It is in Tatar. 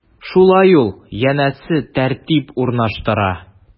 Шулай ул, янәсе, тәртип урнаштыра.